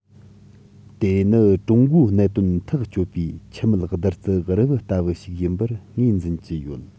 དེ ནི ཀྲུང གོའི གནད དོན ཐག གཅོད པའི འཆི མེད བདུད རྩི རིལ བུ ལྟ བུ ཞིག ཡིན པར ངོས འཛིན གྱི ཡོད